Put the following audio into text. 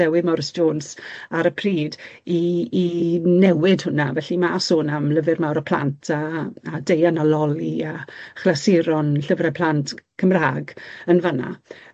Dewi Morris Jones ar y pryd i i newid hwnna, felly ma' sôn am Lyfyr Mawr y Plant a a a Deian a Loli a chlasuron llyfre plant Cymra'g yn fan 'na.